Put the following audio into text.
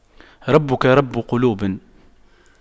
ربك رب قلوب